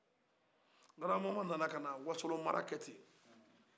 grabamama nana ka na wasalo mar akɛten